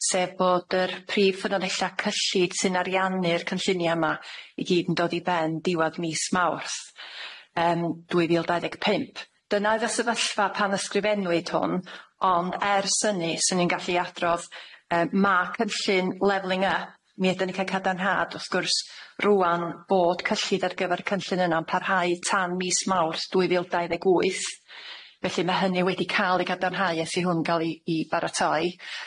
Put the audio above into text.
sef bod yr prif ffynonella cyllid sy'n ariannu'r cynllunia yma i gyd yn dod i ben diwadd mis Mawrth yym dwy fil dau ddeg pump dyna oedd y sefyllfa pan ysgrifennwyd hwn ond ers hynny 'swn i'n gallu adrodd yy ma' cynllun lefeling yp mi ydan ni'n ca'l cadarnhad wrth gwrs rŵan bod cyllid ar gyfer y cynllun yno'n parhau tan mis Mawrth dwy fil dau ddeg wyth felly ma' hynny wedi ca'l 'i cadarnhau e's i hwn ga'l 'i 'i baratoi.